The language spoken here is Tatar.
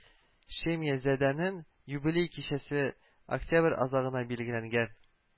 Шемья задәнең юбилей кичәсе октябрь азагына билгеләнгән